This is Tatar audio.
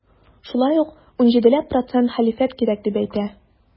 Шулай ук 17 ләп процент хәлифәт кирәк дип әйтә.